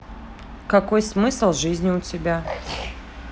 какой смысл жизни у тебя